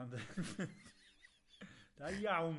Ond y-. Da iawn...